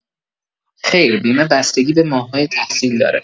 خیر بیمه بستگی به ماه‌های تحصیل داره